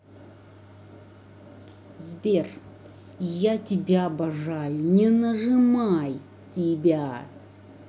сбер я тебя обожаю не нажимай тебя